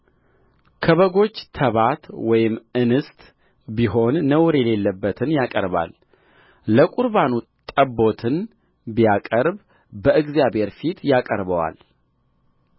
ከበጎች ተባት ወይም እንስት ቢሆን ነውር የሌለበትን ያቀርባልለቍርባኑ ጠቦትን ቢያቀርብ በእግዚአብሔር ፊት ያቀርበዋል